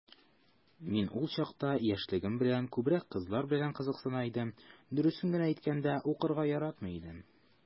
Мин ул чакта, яшьлегем белән, күбрәк кызлар белән кызыксына идем, дөресен генә әйткәндә, укырга яратмый идем...